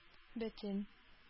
Бөтен